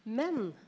men.